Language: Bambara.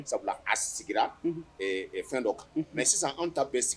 Sabula a sigira ee ee fɛn dɔ kan mɛ sisan anw ta bɛɛ sigi